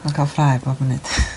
Ma'n cael ffrae pob munud.